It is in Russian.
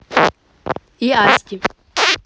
и асти